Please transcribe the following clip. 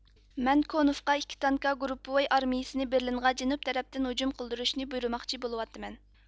مەن كونېفقا ئىككى تانكا گۇرۇپپىۋوي ئارمىيىسىنى بېرلىنغا جەنۇب تەرەپتىن ھۇجۇم قىلدۇرۇشنى بۇيرۇماقچى بولۇۋاتىمەن